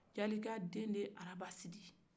jalika den de ye arabasi di